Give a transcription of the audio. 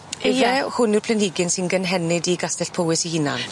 Ie. Yfe hwn yw'r planhigyn sy'n gynhenid i gastell Powys 'i hunan?